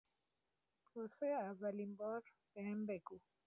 واسه اولین بار بهم بگو